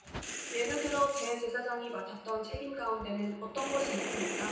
예를 들어 대제사장이 맡았던 책임 가운데는 어떤 것이 있습니까